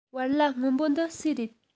བལ ལྭ སྔོན པོ འདི སུའི རེད